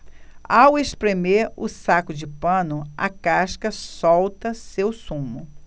ao espremer o saco de pano a casca solta seu sumo